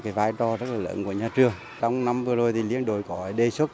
vai trò rất lớn của nhà trường trong năm vừa rồi thì liên đội gọi đề xuất